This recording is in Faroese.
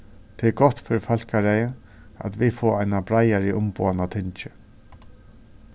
tað er gott fyri fólkaræðið at vit fáa eina breiðari umboðan á tingi